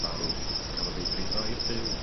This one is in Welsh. ...farw cafodd ei frifo i'r byw